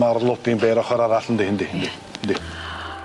Ma'r loading bê yr ochor arall yndi yndi. Ie. Yndi.